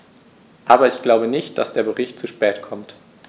Aber ich glaube nicht, dass der Bericht zu spät kommt.